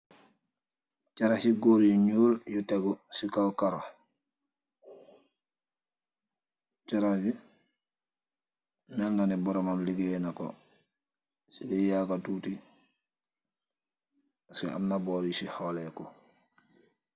Caraxi goor yu nuul yu tegu ci caw karo caraxi mel naani boromam liggéey na ko ci li yaaka tuuti as amna booryi ci xoolee ku.